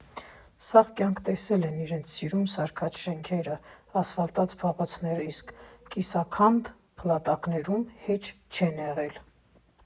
Սաղ կյանք տեսել են իրանց սիրուն սարքած շենքերը, ասֆալտած փողոցները, իսկ կիսաքանդ փլատակներում հեչ չեն եղել։